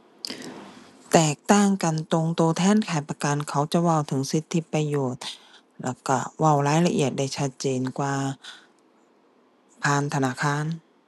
แตกต่างกันตรงตัวแทนขายประกันเขาจะเว้าถึงสิทธิประโยชน์ แล้วตัวเว้ารายละเอียดได้ชัดเจนกว่า ผ่านธนาคาร